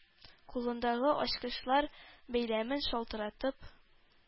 Кулындагы ачкычлар бәйләмен шалтыратып,